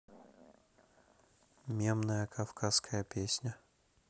мемная кавказская песня